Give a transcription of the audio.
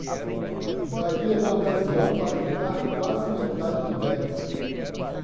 daria na ocasião para quitar quase metade do débito